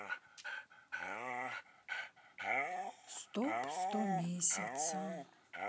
стоп сто месяца